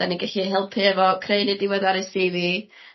'dan ni gellu helpu efo creu neu diweddaru See Vee.